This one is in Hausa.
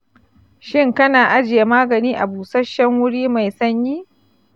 shin kana ajiye magani a busashen wuri mai sanyi?